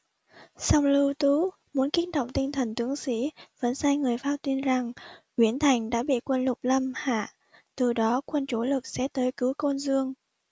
song lưu tú muốn kích động tinh thần tướng sĩ vẫn sai người phao tin rằng uyển thành đã bị quân lục lâm hạ từ đó quân chủ lực sẽ tới cứu côn dương